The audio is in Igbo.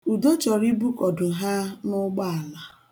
Udo chọrọ ibukọdo ha n'̣ụgbọala.